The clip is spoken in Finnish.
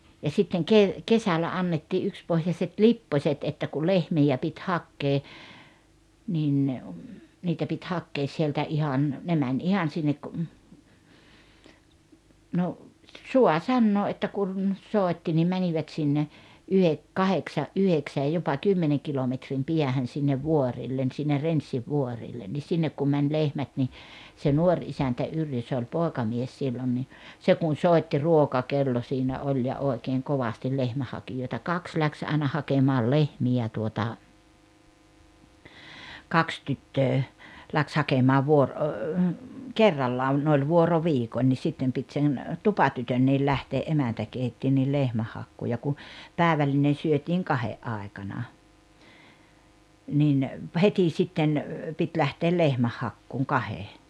ja sitten - kesällä annettiin yksipohjaiset lipposet että kun lehmiä piti hakea niin niitä piti hakea sieltä ihan ne meni ihan sinne - no saa sanoa että kun soitti niin menivät sinne - kahdeksan yhdeksän jopa kymmenen kilometrin päähän sinne vuorille sinne Renssinvuorille niin sinne kun meni lehmät niin se nuori isäntä Yrjö se oli poikamies silloin niin se kun soitti ruokakello siinä oli ja oikein kovasti lehmänhakijoita kaksi lähti aina hakemaan lehmiä tuota kaksi tyttöä lähti hakemaan -- kerrallaan ne oli vuoroviikoin niin sitten piti sen tupatytönkin lähteä emäntä keitti niin lehmänhakuun ja kun päivällinen syötiin kahden aikana niin heti sitten piti lähteä lehmänhakuun kahden